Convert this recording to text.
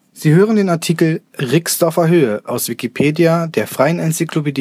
Sie hören den Artikel Rixdorfer Höhe, aus Wikipedia, der freien Enzyklopädie